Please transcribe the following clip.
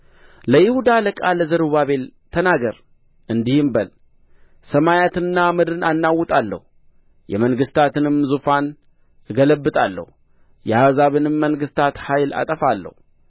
ለይሁዳ አለቃ ለዘሩባቤል ተናገር እንዲህም በል ሰማያትንና ምድርን አናውጣለሁ የመንግሥታትንም ዙፋን እገለብጣለሁ የአሕዛብንም መንግሥታት ኃይል አጠፋለሁ